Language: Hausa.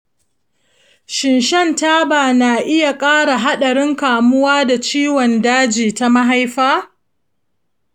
shin shan tabana iya ƙara haɗarin kamuwa da ciwon daji ta mahaifa?